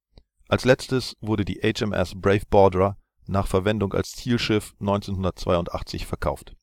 Als letztes wurde die „ HMS Brave Borderer “nach Verwendung als Zielschiff 1982 verkauft